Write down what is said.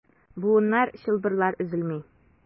Буыннар, чылбырлар өзелми.